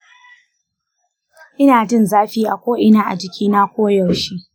ina jin zafi a ko’ina a jikina koyaushe.